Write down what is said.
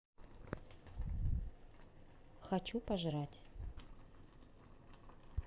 хочу пожрать